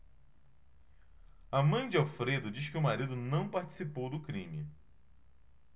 a mãe de alfredo diz que o marido não participou do crime